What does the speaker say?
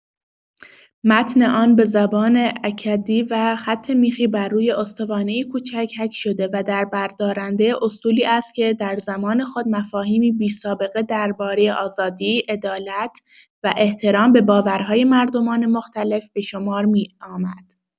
متن آن به زبان اکدی و خط میخی بر روی استوانه‌ای کوچک حک شده و دربردارنده اصولی است که در زمان خود مفاهیمی بی‌سابقه درباره آزادی، عدالت و احترام به باورهای مردمان مختلف به شمار می‌آمد.